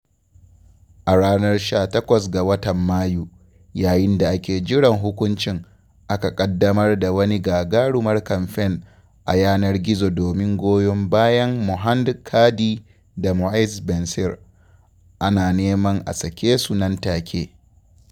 A ranar 18 ga watan Mayu, yayin da ake jiran hukuncin, aka ƙaddamar da wani gagarumar kamfen a yanar gizo domin goyon bayan Mohand Kadi da Moez Benncir, ana neman a sake su nan take.